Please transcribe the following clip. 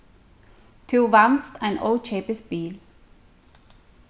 tú vanst ein ókeypis bil